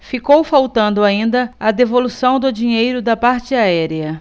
ficou faltando ainda a devolução do dinheiro da parte aérea